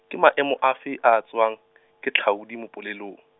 ke maemo afe a a tsewang, ke tlhaodi mo polelong?